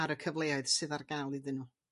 ar y cyfleodd sydd ar ga'l iddyn nhw.